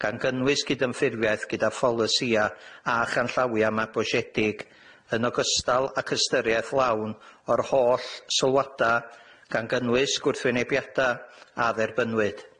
gan gynnwys cydymffurfiaeth gyda pholisïa a chanllawia mabwysiedig, yn ogystal ag ystyriaeth lawn o'r holl sylwada gan gynnwys gwrthwynebiada a dderbyniwyd.